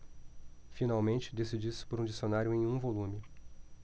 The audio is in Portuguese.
finalmente decidiu-se por um dicionário em um volume